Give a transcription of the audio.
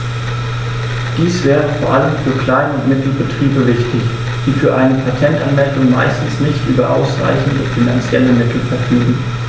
Dies wäre vor allem für Klein- und Mittelbetriebe wichtig, die für eine Patentanmeldung meistens nicht über ausreichende finanzielle Mittel verfügen.